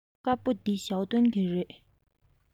དཀར པོ འདི ཞའོ ཏོན གྱི རེད